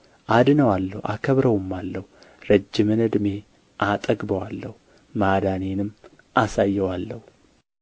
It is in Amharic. አድነዋለሁ አከብረውማለሁ ረጅምን ዕድሜ አጠግበዋለሁ ማዳኔንም አሳየዋለሁ